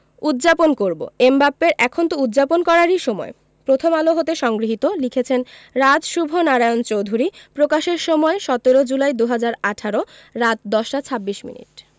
উদ্ যাপন করব এমবাপ্পের এখন তো উদ্ যাপন করারই সময় প্রথম আলো হতে সংগৃহীত লিখেছেন রাজ শুভ নারায়ণ চৌধুরী প্রকাশের সময় ১৭ জুলাই ২০১৮ রাত ১০টা ২৬ মিনিট